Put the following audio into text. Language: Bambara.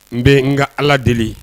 N bɛ n nka ala deli